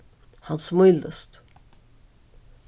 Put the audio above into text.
hann smílist